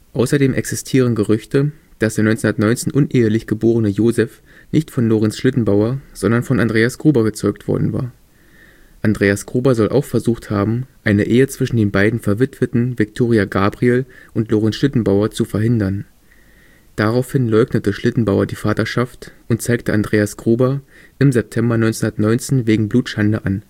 Außerdem existieren Gerüchte, dass der 1919 unehelich geborene Josef nicht von Lorenz Schlittenbauer, sondern von Andreas Gruber gezeugt worden war. Andreas Gruber soll auch versucht haben, eine Ehe zwischen den beiden Verwitweten, Viktoria Gabriel und Lorenz Schlittenbauer, zu verhindern. Daraufhin leugnete Schlittenbauer die Vaterschaft und zeigte Andreas Gruber im September 1919 wegen Blutschande an